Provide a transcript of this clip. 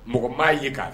Mɔgɔ maaa ye k kan